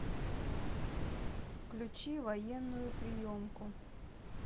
включи военную приемку